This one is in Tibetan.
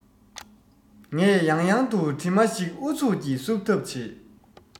ངས ཡང ཡང དུ གྲིབ མ ཞིག ཨུ ཚུགས ཀྱིས བསུབ ཐབས བྱེད